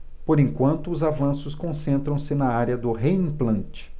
por enquanto os avanços concentram-se na área do reimplante